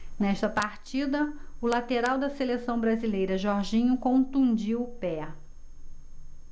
nesta partida o lateral da seleção brasileira jorginho contundiu o pé